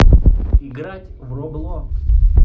играть в роблокс